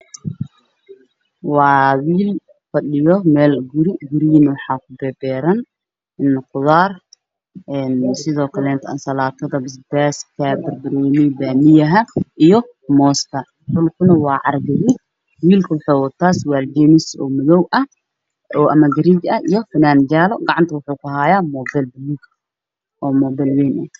Waa wiil fadhiyo gari waxaa kubeeran qudaar sida basbaas, ansalaato, banbanooni iyo baamiyaha iyo mooska, dhulka waa carro gaduud, wiilku waxuu wataa surwaal jeemis ah oo madow ah iyo fanaanad jaale gacanta waxuu kuhayaa muubeel wayn.